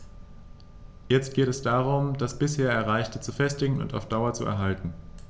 Jetzt geht es darum, das bisher Erreichte zu festigen und auf Dauer zu erhalten.